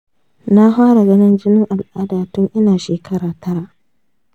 na fara ganin jinin al’ada tun ina shekara tara.